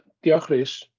Diolch, Rhys.